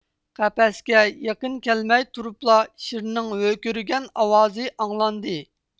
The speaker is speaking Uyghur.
قەپەسكە يېقىن كەلمەي تۇرۇپلا شىرنىڭ ھۆركىرىگەن ئاۋازى ئاڭلاندى